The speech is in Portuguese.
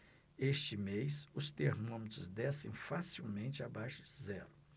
este mês os termômetros descem facilmente abaixo de zero